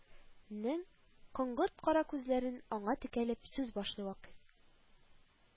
Нең коңгырт кара күзләрен аңа текәп сүз башлый вакыйф